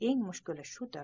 eng mushkuli shudir